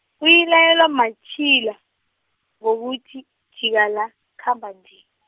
uyilayelwa matjhila, ngokuthi jika la khamba nje.